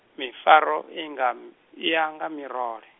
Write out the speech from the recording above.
mifaro ingam-, i ya nga mirole.